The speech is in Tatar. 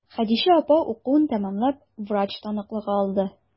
Хәдичә апа укуын тәмамлап, врач таныклыгы алды.